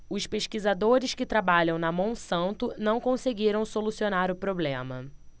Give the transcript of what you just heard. os pesquisadores que trabalham na monsanto não conseguiram solucionar o problema